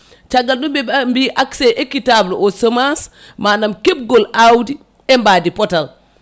caggal ɗum ɓe mbi accé équitable au semence manam kebgol awdi e mbadi pootal